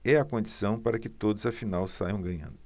é a condição para que todos afinal saiam ganhando